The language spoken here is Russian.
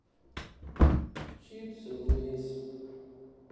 чипсы лейс